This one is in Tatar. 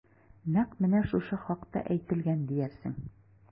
Нәкъ менә шушы хакта әйтелгән диярсең...